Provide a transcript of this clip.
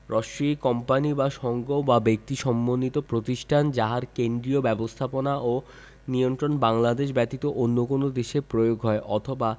ই company বা সঙ্গ বা ব্যক্তি সমন্বিত প্রতিষ্ঠান যাহার কেন্দ্রীয় ব্যবস্থাপনা ও নিয়ন্ত্রণ বাংলাদেশ ব্যতীত অন্য কোন দেশে প্রয়োগ হয় অথবা